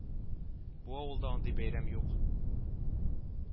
Бу авылда андый бәйрәм юк